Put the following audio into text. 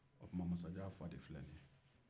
masajan fa de filɛ nin ye